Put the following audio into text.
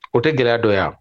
O tɛ gɛlɛya don yan